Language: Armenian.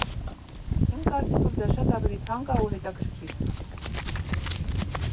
Իմ կարծիքով դա շատ ավելի թանկ ա ու հետաքրքիր։